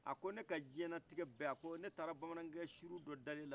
a ko ne ka diɲɛ latigɛ bɛɛ a ko ne taara bamanankɛ suru